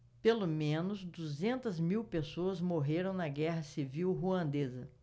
pelo menos duzentas mil pessoas morreram na guerra civil ruandesa